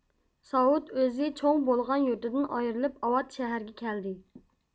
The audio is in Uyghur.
ساۋۇت ئۆزى چوڭ بولغان يۇرتىدىن ئايرىلىپ ئاۋات شەھەرگە كەلدى